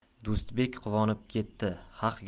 do'stbek quvonib ketdi haq